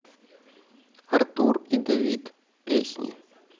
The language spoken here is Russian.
артур и давид песни